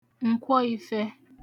ǹkwo ifẹ